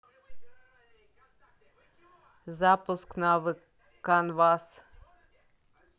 запуск навык canvas